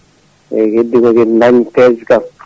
eyyi heddi ko kadi dañje peeje kam